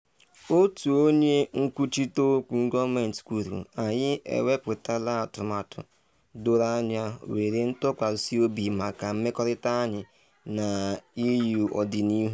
Otu onye nkwuchite okwu gọọmentị kwuru: “Anyị eweputala atụmatụ doro anya were ntụkwasị obi maka mmekọrịta anyị na EU n’ọdịnihu.